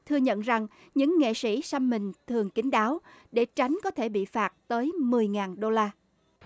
thừa nhận rằng những nghệ sĩ xăm mình thường kín đáo để tránh có thể bị phạt tới mười ngàn đô la